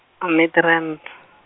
Midrand .